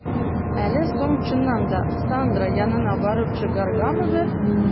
Әллә соң чыннан да, Сандра янына барып чыгаргамы бер?